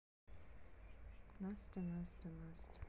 настя настя настя